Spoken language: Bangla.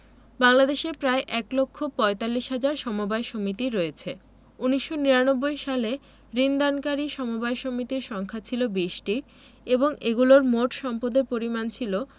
বাংলাদেশে প্রায় এক লক্ষ পয়তাল্লিশ হাজার সমবায় সমিতি রয়েছে ১৯৯৯ সালে ঋণ দানকারী সমবায় সমিতির সংখ্যা ছিল ২০টি এবং এগুলোর মোট সম্পদের পরিমাণ ছিল